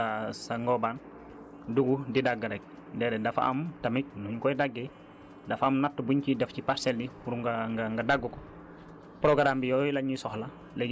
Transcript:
parce que du question ñor la rekk nga ñëw sa sa ngóobaan dugub di dagg rekk déedéet dafa am tamit nu ñu koy daggee dafa am natt buñ ciy def ci parcelles yi pour nga nga nga dagg ko